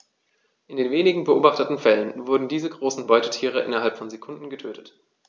In den wenigen beobachteten Fällen wurden diese großen Beutetiere innerhalb von Sekunden getötet.